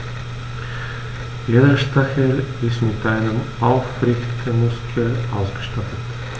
Jeder Stachel ist mit einem Aufrichtemuskel ausgestattet.